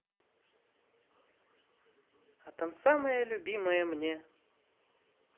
а там самая любимая мне